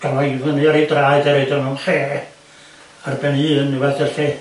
yn ga'l o i fyny ar ei draed a'i roid o mewn lle ar ben i hun neu wbath de 'lly.